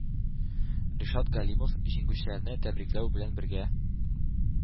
Ришат Галимов җиңүчеләрне тәбрикләү белән бергә,